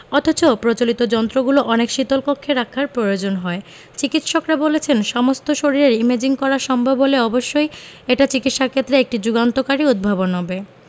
অথচ প্রচলিত যন্ত্রগুলো অনেক শীতল কক্ষে রাখার প্রয়োজন হয় চিকিত্সকরা বলেছেন সমস্ত শরীরের ইমেজিং করা সম্ভব হলে অবশ্যই এটা চিকিত্সাক্ষেত্রে একটি যুগান্তকারী উদ্ভাবন হবে